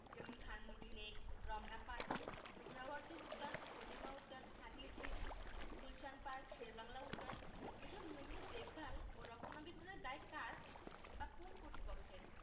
যেমন Dhanmondi lake Ramna park Suhrawardy উদ্যান চন্দ্রিমা উদ্যান হাতিরঝিল গুলশান পার্ক শেরেবাংলা উদ্যান এসব নিয়মিত দেখভাল ও রক্ষণাবেক্ষণের দায় কার বা কোন্ কর্তৃপক্ষের